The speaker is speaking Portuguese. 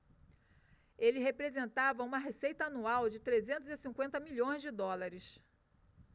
ele representava uma receita anual de trezentos e cinquenta milhões de dólares